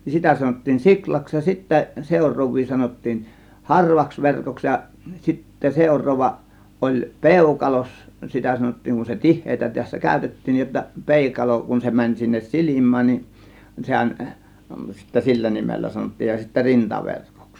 niin sitä sanottiin siulaksi ja sitten seuraavia sanottiin harvaksi verkoksi ja sitten seuraava oli peukaloksi sitä sanottiin kun se tiheää tässä käytettiin niin jotta peukalo kun se meni sinne silmään niin sehän sitten sillä nimellä sanottiin ja sitten rintaverkoksi